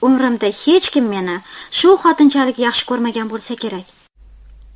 umrimda hech kim meni shu xotinchalik yaxshi ko'rmagan bo'lsa kerak